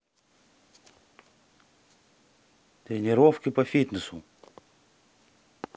тренировки по фитнесу